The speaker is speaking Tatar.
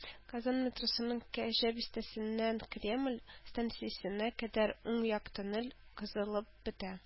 Казан метросының “Кәҗә бистәсе”ннән “Кремль” станциясенә кадәр уң як тоннель казылып бетә